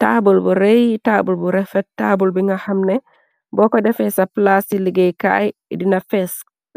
Taabul bu rey yi, taabul bu refet, taabul bi nga xam ne booko defee ca plaas ci liggéey kaay, dina fees